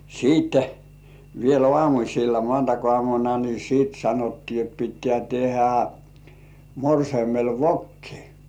sitten vielä aamulla maanantaiaamuna niin sitten sanottiin että pitää tehdä morsiamelle vokki